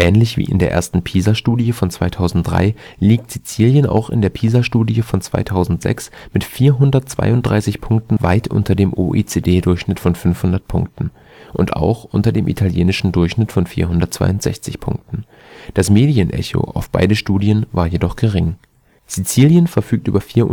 Ähnlich wie in der ersten Pisa-Studie von 2003 liegt Sizilien auch in der Pisa-Studie von 2006 mit 432 Punkten weit unter dem OECD-Durchschnitt von 500 Punkten und auch unter dem italienischen Durchschnitt von 462 Punkten. Das Medien-Echo auf beide Studien war jedoch gering. Sizilien verfügt über vier